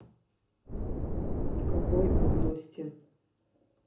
в какой области